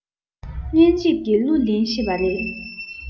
སྙན འཇེབས ཀྱི གླུ ལེན ཤེས པ རེད